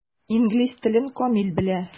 Инглиз телен камил белә.